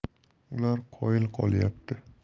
ular qoyil qolyapti